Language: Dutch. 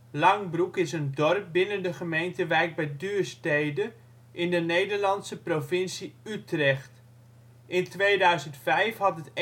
Langbroek is een dorp binnen de gemeente Wijk bij Duurstede in de Nederlandse provincie Utrecht. In 2005 had het 2118